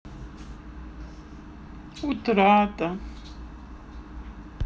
утрата